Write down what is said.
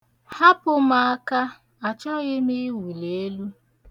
Hapụ m aka, achọghị iwụli elu.